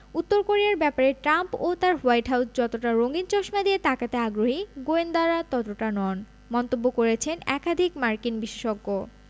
উত্তর কোরিয়ার ব্যাপারে ট্রাম্প ও তাঁর হোয়াইট হাউস যতটা রঙিন চশমা দিয়ে তাকাতে আগ্রহী গোয়েন্দারা ততটা নন মন্তব্য করেছেন একাধিক মার্কিন বিশেষজ্ঞ